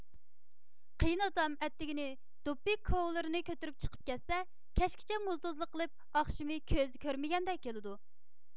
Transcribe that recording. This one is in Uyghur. قېيناتام ئەتىگىنى دۇپپى كوۋلىرىنى كۆتۈرۈپ چىقىپ كەتسە كەچكىچە موزدوزلۇق قىلىپ ئاخشىمى كۆزى كۆرمىگەندە كېلىدۇ